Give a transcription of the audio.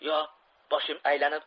yo boshim aylanib